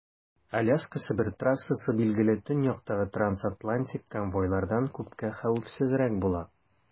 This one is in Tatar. Аляска - Себер трассасы, билгеле, төньяктагы трансатлантик конвойлардан күпкә хәвефсезрәк була.